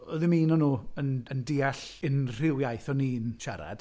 Oedd dim un o'n nhw yn yn deall unrhyw iaith o'n i'n siarad.